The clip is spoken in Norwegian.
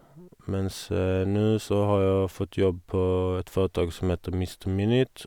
Mens nå så har jeg fått jobb på et foretak som heter Mister Minit.